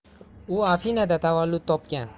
u afinada tavallud topgan